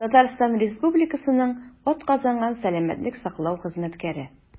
«татарстан республикасының атказанган сәламәтлек саклау хезмәткәре»